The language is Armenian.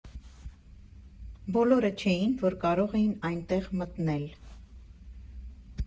Բոլորը չէին, որ կարող էին այնտեղ մտնել.